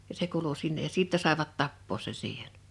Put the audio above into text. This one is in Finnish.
ja se kuului sinne ja sitten saivat tappaa sen siihen